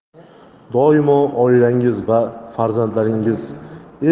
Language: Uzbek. doimo oilangiz va farzandlaringiz el